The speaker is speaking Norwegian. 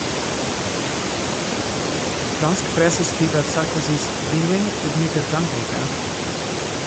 Fransk presse skriver at Sarkozys vingling ydmyker Frankrike.